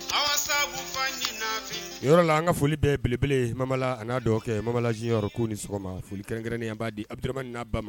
Walasasafafin yɔrɔ la an ka foli bɛɛ belebele mamamala n'a kɛ mamalayɔrɔ ko ni sɔgɔma foli kɛrɛnnen an'a di abi naba ma